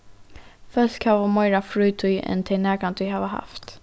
fólk hava meira frítíð enn tey nakrantíð hava havt